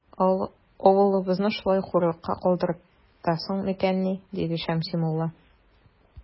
Авылыбызны шулай хурлыкка калдыртасың микәнни? - диде Шәмси мулла.